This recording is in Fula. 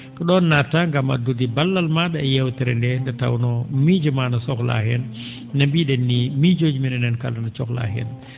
ko ?oon naatataa ngam addude ballal maa?a e yeewtere ndee nde tawnoo miijo maa no sohlaa heen no mbii?en nii miijooji men enen kala no cohlaa heen